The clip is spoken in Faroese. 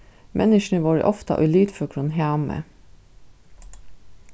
menniskjuni vóru ofta í litføgrum hami